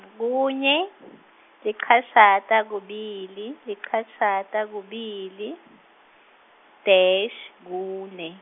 kunye, licashata kubili, licashata kubili, dash, kune.